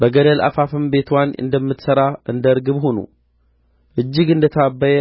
በገደል አፋፍም ቤትዋን እንደምትሠራ እንደ ርግብ ሁኑ እጅግ እንደ ታበየ